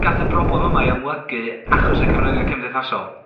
gath y broblem yma ei amlygu achos y cyfryngau cymdeithasol?